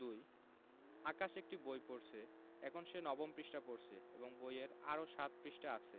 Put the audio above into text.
২ আকাশ একটি বই পড়ছে এখন সে নবম পৃষ্ঠা পড়ছে এবং বইয়ে আরও ৭ পৃষ্ঠা আছে